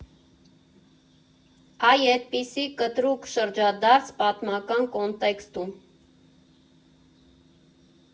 Այ էդպիսի կտրուկ շրջադարձ՝ պատմական կոնտեքստում։